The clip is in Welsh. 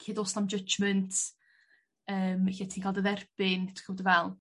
lle do's na'm judjement yym lle ti'n ca'l dy dderbyn .